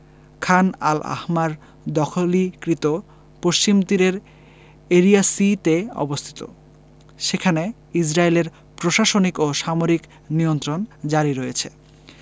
খান al Ahmar দখলীকৃত পশ্চিম তীরের এরিয়া সি তে অবস্থিত সেখানে ইসরাইলের প্রশাসনিক ও সামরিক নিয়ন্ত্রণ জারি রয়েছে